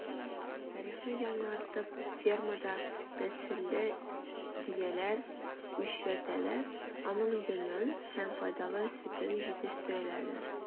Тарихны яңартып фермада нәселле дөяләр үчретәләр, аның йонын һәм файдалы сөтен җитештерәләр.